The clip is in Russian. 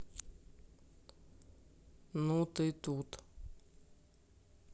ну ты тут